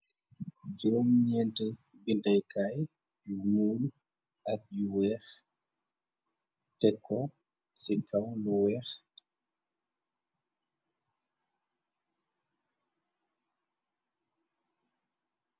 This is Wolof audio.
Jomneent bintaykaay yu nuul ak yu weex tekko ci kaw lu weex.